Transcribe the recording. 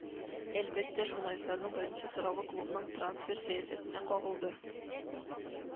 Әлбәттә, журналистларның беренче соравы клубның трансфер сәясәтенә кагылды